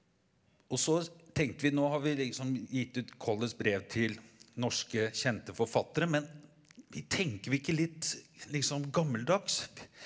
og så tenkte vi nå har vi liksom gitt ut Colletts brev til norske kjente forfattere men vi tenker vi ikke litt liksom gammeldags?